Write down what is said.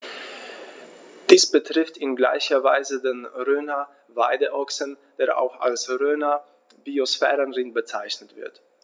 Dies betrifft in gleicher Weise den Rhöner Weideochsen, der auch als Rhöner Biosphärenrind bezeichnet wird.